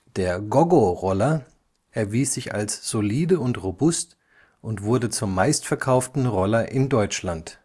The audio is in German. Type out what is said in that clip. Der Goggo-Roller erwies sich als solide und robust und wurde zum meistverkauften Roller in Deutschland